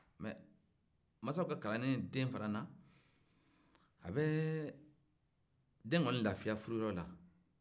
mansaw ka kalanni den fana na a bɛ den kɔni ladiya furuyɔrɔ la